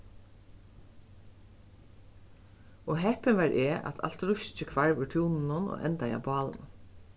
og heppin var eg at alt ruskið hvarv úr túninum og endaði á bálinum